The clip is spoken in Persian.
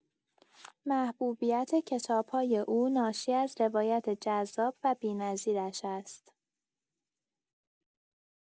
محبوبیت کتاب‌های او ناشی از روایت جذاب و بی‌نظیرش است.